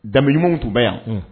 Da ɲumanw tun bɛ yan